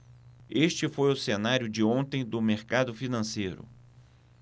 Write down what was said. este foi o cenário de ontem do mercado financeiro